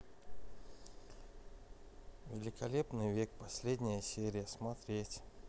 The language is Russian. великолепный век последняя серия смотреть